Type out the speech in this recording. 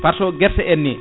par ce guerte en ni